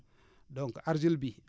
donc argile bi